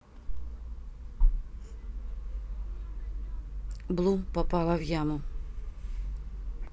blue попала в яму